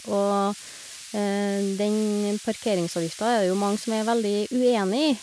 Og den parkeringsavgifta er det jo mange som er veldig uenig i.